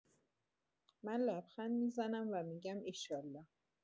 من لبخند می‌زنم و می‌گم: ایشالا.